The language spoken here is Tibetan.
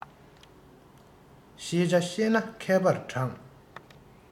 ཤེས བྱ ཤེས ན མཁས པར བགྲང